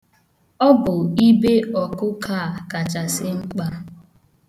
Ọ bụ ibe ọkụkụ a kachasi mkpa.